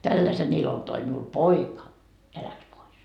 tällaisen ilon toi minulle poika ja lähti pois